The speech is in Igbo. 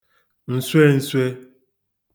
ǹswen̄swē